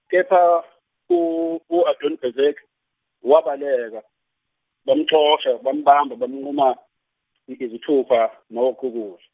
kepha u- u Adoni Bezeki wabaleka bamxosha bambamba bamnquma izi- iyisithupha nawoqukul-.